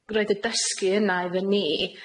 roid y dysgu yna iddy ni